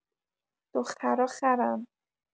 دخترا خرن